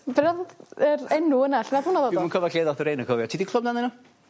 yr enw yna lle nath hwnna ddod o? Dwi'm yn cofio lle ddath yr enw cofio ti 'di clywed amdanyn n'w?